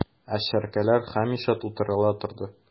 Ә чәркәләр һәмишә тутырыла торды...